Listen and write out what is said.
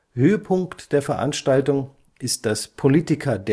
Höhepunkt der Veranstaltung ist das Politiker-Derblecken